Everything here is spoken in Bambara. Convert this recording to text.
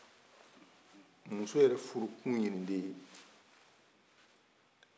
muso yɛrɛ furu kun ye nin de ye